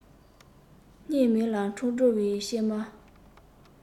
སྙིང མེད ལ འཕྲང སྒྲོལ བའི སྐྱེལ མ